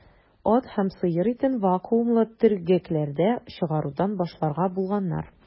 Ат һәм сыер итен вакуумлы төргәкләрдә чыгарудан башларга булганнар.